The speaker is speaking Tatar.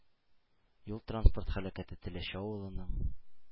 Юлтранспорт һәлакәте теләче авылының